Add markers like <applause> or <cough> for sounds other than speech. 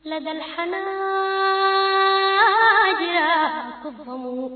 <ladal hanaajira>